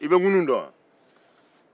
i bɛ ŋunu dɔn wa